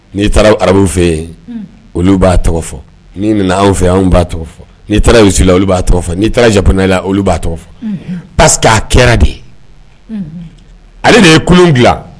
N'i taara arabuw fɛ yen olu b'a tɔgɔ fɔ nii anw fɛ b' tɔgɔ n'i taara ula olu b'a tɔgɔ n'i taara japɛ la olu b'a tɔgɔ pa aa kɛra de ale de ye kolon dilan